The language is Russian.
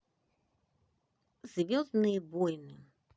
звездные воины